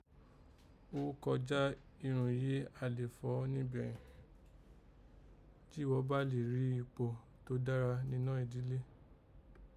Ó kojá irun yìí a lè fọ̀ nibé yìí, jí gho bá lè rí ikpò tó dára ninọ́ ìdílé